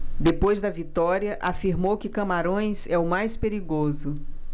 depois da vitória afirmou que camarões é o mais perigoso